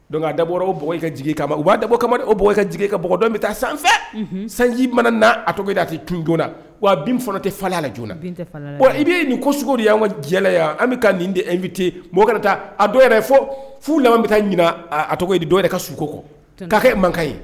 Dɔn dabɔ bɔgɔ ka jigi kama u b' dabɔkama o b ka jigi ka bɔ dɔn bɛ taa san sanji mana n' a tɔgɔ a tɛ tujna wa bin fana tɛ falen laj wa i bɛ nin ko sogo de' ka jɛ yan an bɛ ka ninfite mɔgɔ kana taa a yɛrɛ fɔ fu lam bɛ taa ɲin dɔ yɛrɛ ka sko kɔ k' kɛ man ɲi